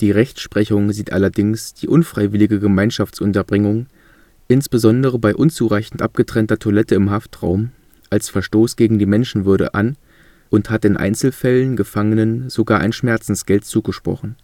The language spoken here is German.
Rechtsprechung sieht allerdings die unfreiwillige Gemeinschaftsunterbringung – insbesondere bei unzureichend abgetrennter Toilette im Haftraum – als Verstoß gegen die Menschenwürde an und hat in Einzelfällen Gefangenen sogar ein Schmerzensgeld zugesprochen